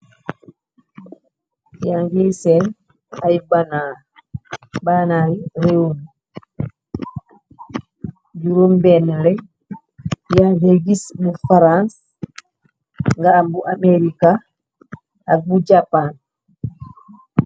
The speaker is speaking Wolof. Yange seen ay bannar, bannar yi jorom benuh leen yange giss lu horanse nga am America ak bu Japan.